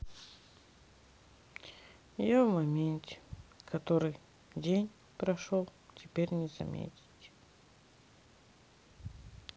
я в моменте который день прошел теперь не заметить